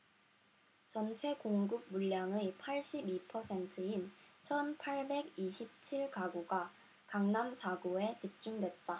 전체 공급 물량의 팔십 이 퍼센트인 천 팔백 이십 칠 가구가 강남 사 구에 집중됐다